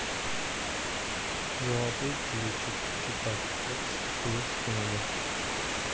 золотой ключик читать текст плюс книга